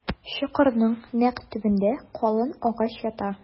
Чокырның нәкъ төбендә калын агач ята.